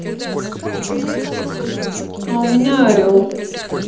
а у меня орел